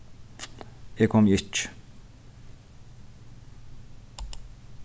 eg komi ikki